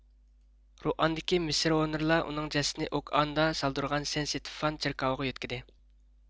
رۇئاندىكى مىسسىئونېرلار ئۇنىڭ جەسىتىنى ئۇكائېندە سالدۇرغان سېن سىتېغغان چېركاۋىغا يۆتكىدى